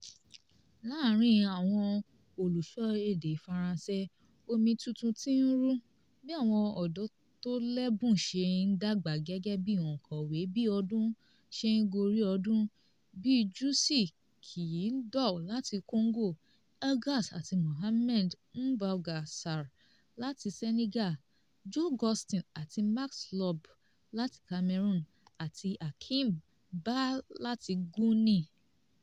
Láàárín àwọn olùsọ èdè Faransé, omi tuntun ti ń rú, bí àwọn ọ̀dọ́ tó lẹ́bùn ṣe ń dàgbà gẹ́gẹ́ bíi òǹkọ̀wé bí ọdún ṣe ń gorí ọdún, bíi Jussy Kiyindou láti Congo, Elgas àti Mohamed Mbougar Sarr láti Sénégal, Jo Güstin àti Max Lobé láti Cameroon, àti Hakim Bah láti Guinea.